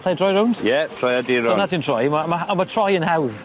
Allai droi rownd? Ie, troia di rownd. Dyna ti'n troi, ma' ma' a ma' troi yn hawdd.